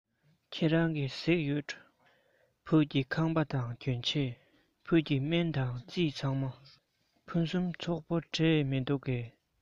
ཁྱེད རང གིས གཟིགས ཡོད འགྲོ བོད ཀྱི ཁང པ དང གྱོན ཆས བོད ཀྱི སྨན དང རྩིས ཚང མ ཕུན སུམ ཚོགས པོ འདྲས མི འདུག གས